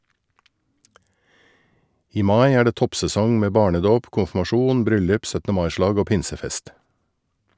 I mai er det toppsesong med barnedåp, konfirmasjon, bryllup, 17. mai-slag og pinsefest.